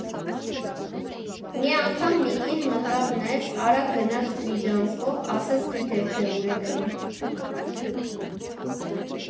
Մի անգամ մի կին մտավ ներս, արագ գնաց միջանցքով՝ ասես գիտեր, թե ուր է գնում։